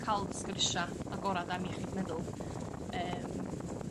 ca'l sgyrsia agorad am iechyd meddwl yym